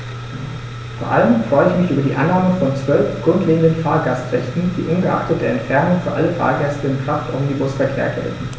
Vor allem freue ich mich über die Annahme von 12 grundlegenden Fahrgastrechten, die ungeachtet der Entfernung für alle Fahrgäste im Kraftomnibusverkehr gelten.